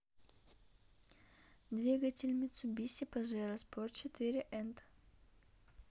двигатель мицубиси паджеро спорт четыре and